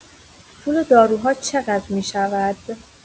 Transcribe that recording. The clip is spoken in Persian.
پول داروها چه‌قدر می‌شود؟